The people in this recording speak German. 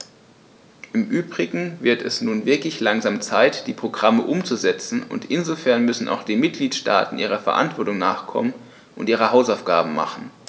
Im übrigen wird es nun wirklich langsam Zeit, die Programme umzusetzen, und insofern müssen auch die Mitgliedstaaten ihrer Verantwortung nachkommen und ihre Hausaufgaben machen.